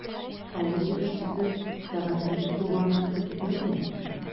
Авыл җитәкчесе сәгать сигез тулганны көтеп ятмый.